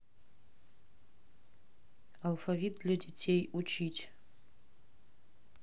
алфавит для детей учить